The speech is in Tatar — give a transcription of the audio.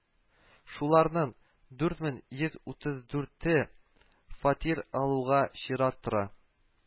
Шуларның дүрт мең йөз утыз дүрте фатир алуга чират тора